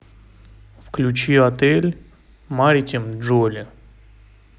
включи отель маритим джоли